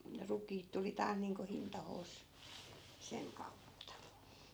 rukiit tuli taas niin kuin hintaansa sen kautta